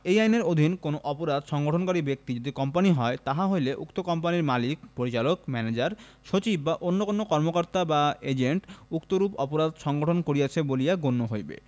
এই আইনের অধীন কোন অপরাধ সংঘটনকারী ব্যক্তি যদি কোম্পানী হয় তাহা হইলে উক্ত কোম্পানীর মালিক পরিচালক ম্যানেজার সচিব বা অন্য কোন কর্মকর্তা বা এজেন্ট উক্তরূপ অপরাধ সংঘটন করিয়াছেন বলিয়া গণ্য হইবে